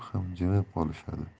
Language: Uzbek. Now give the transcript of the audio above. ham jimib qolishadi